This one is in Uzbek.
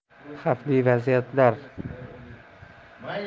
xavfli vaziyatlar